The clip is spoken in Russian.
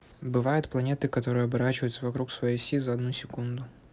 бывает планеты которые оборачиваются вокруг своей оси за одну секунду